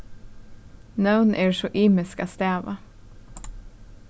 nøvn eru so ymisk at stava